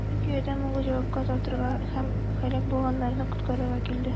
Чөнки Адәм Углы җавапка тартырга һәм һәлак булганнарны коткарырга килде.